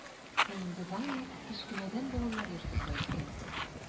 Ә инде ваня кечкенәдән балалар йортында үскән.